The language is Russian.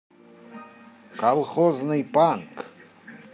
колхозный панк